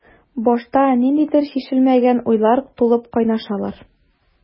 Башта ниндидер чишелмәгән уйлар тулып кайнашалар.